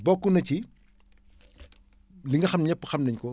bokk na ci li nga xam ñëpp xam naénu ko